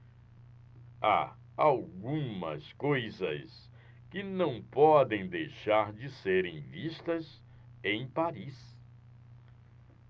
há algumas coisas que não podem deixar de serem vistas em paris